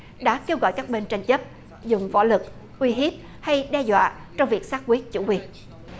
đã kêu gọi các bên tranh chấp dùng vũ lực uy hiếp hay đe dọa trong việc xác quyết chủ quyền